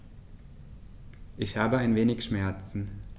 Ich habe ein wenig Schmerzen.